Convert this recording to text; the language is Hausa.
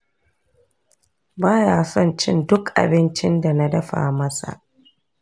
ba ya son cin duk abincin da na dafa masa.